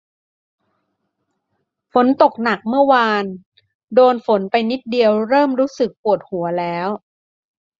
ฝนตกหนักเมื่อวานโดนฝนไปนิดเดียวเริ่มรู้สึกปวดหัวแล้ว